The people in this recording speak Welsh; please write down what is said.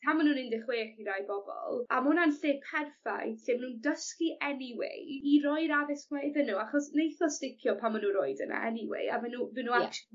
pan ma' nw'n un deg chwech i rai bobol a ma' hwnna'n lle perffaith lle ma' nw'n dysgu anyway i roi'r addysg 'ma iddyn n'w achos neith o sticio pan ma' n'w roid yna anyway a ma' n'w fy' n'w acs-... Ie.